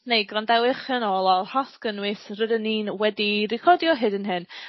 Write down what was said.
neu grandewiwch yn ôl o'r holl gynnwys rydyn ni'n wedi recordio hyd yn hyn.